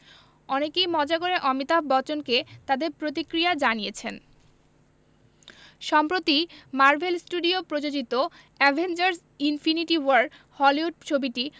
অনেকেই মজা করে অমিতাভ বচ্চনকে তাদের প্রতিক্রিয়া জানিয়েছেন সম্প্রতি মার্বেল স্টুডিয়ো প্রযোজিত অ্যাভেঞ্জার্স ইনফিনিটি ওয়ার হলিউড ছবিটি